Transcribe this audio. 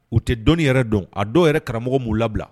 U tɛ dɔnnii yɛrɛ don a dɔw yɛrɛ karamɔgɔ'u labila